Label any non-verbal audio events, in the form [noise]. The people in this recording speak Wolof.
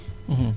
[hesitation] [hesitation]